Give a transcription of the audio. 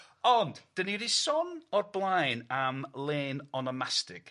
Ond 'dan ni 'di sôn o'r blaen am len onomastic